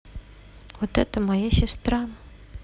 вот это моя сестра